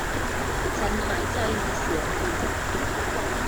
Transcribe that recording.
ฉันหายใจมีเสียงหวีด